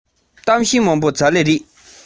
ཞིང ཁ འདི དང བྲལ སྐབས